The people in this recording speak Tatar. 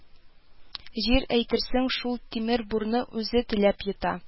Җир әйтерсең шул тимер бурны үзе теләп йота